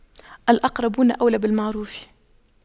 الأقربون أولى بالمعروف